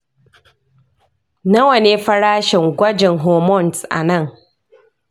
nawa ne farashin gwajin hormones a nan?